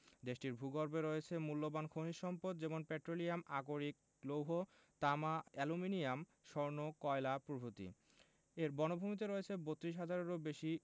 দেশটির ভূগর্ভে রয়েছে মুল্যবান খনিজ সম্পদ যেমন পেট্রোলিয়াম আকরিক লৌহ তামা অ্যালুমিনিয়াম স্বর্ণ কয়লা প্রভৃতি এর বনভূমিতে রয়েছে ৩২ হাজারেরও বেশি